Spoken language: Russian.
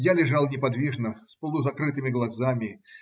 Я лежал неподвижно, с полузакрытыми глазами.